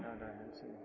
jaada e mum c' est ça